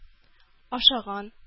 Ашаган